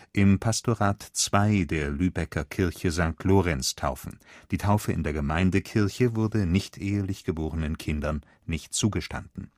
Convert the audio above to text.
im Pastorat II der Lübecker Kirche St. Lorenz taufen; die Taufe in der Gemeindekirche wurde nichtehelich geborenen Kindern nicht zugestanden